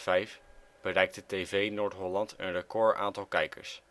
2005 bereikte TV Noord-Holland een record aantal kijkers